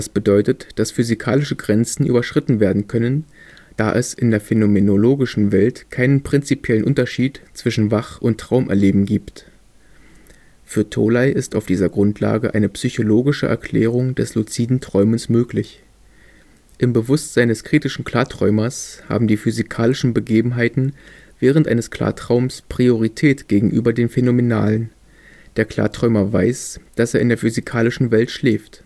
bedeutet, dass physikalische Grenzen überschritten werden können, da es in der phänomenologischen Welt keinen prinzipiellen Unterschied zwischen Wach - und Traumerleben gibt. Für Tholey ist auf dieser Grundlage eine psychologische Erklärung des luziden Träumens möglich. Im Bewusstsein des kritischen Klarträumers haben die physikalischen Begebenheiten während eines Klartraums Priorität gegenüber den phänomenalen, der Klarträumer weiß, dass er in der physikalischen Welt schläft